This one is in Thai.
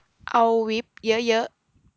เอาวิปเยอะเยอะ